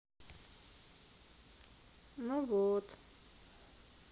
ну вот